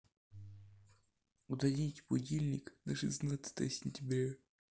удалить будильник на шестнадцатое сентября